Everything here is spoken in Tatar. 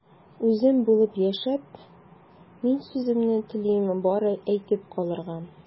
Үзем булып яшәп, мин сүземне телим бары әйтеп калырга...